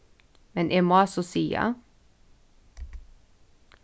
men eg má so siga